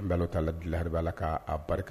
N b' t' lalhara b'a la ka'a barika